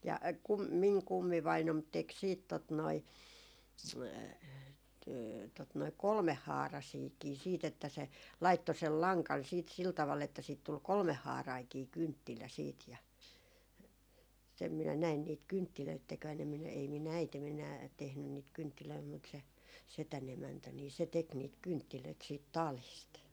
ja kun minun kummivainaani teki sitten tuota noin tuota noin kolmehaaraisiakin sitten että se laittoi sen langan sitten sillä tavalla että siitä tuli kolmehaarainenkin kynttilä sitten ja sen minä näin niitä kynttilöitä tekevän en minä ei minun äitini enää tehnyt niitä kynttilöitä mutta se sedän emäntä niin se teki niitä kynttilöitä siitä talista